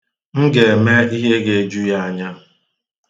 M ga-eme ihe ga-eju ya anya.